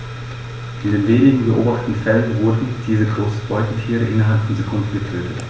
In den wenigen beobachteten Fällen wurden diese großen Beutetiere innerhalb von Sekunden getötet.